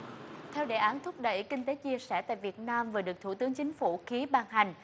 theo đề án thúc đẩy kinh tế chia sẻ tại việt nam vừa được thủ tướng chính phủ ký ban hành